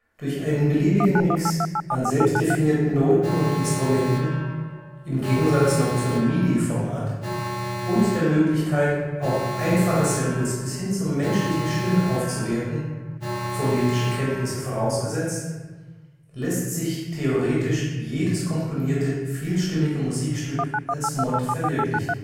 Durch einen beliebigen Mix an selbst definierten Noten und Instrumenten – im Gegensatz noch zum MIDI-Format – und der Möglichkeit, auch einfache Samples bis hin zu menschlichen Stimmen aufzuwerten (phonetische Kenntnisse vorausgesetzt, siehe auch Vocaloid), lässt sich theoretisch jedes komponierte vielstimmige Musikstück als Mod verwirklichen